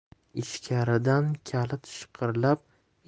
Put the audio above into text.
ichkaridan kalit shiqirlab